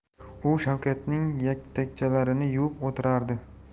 u shavkatning yaktakchalarini yuvib o'tirardi